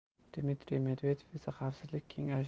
dmitriy medvedev esa xavfsizlik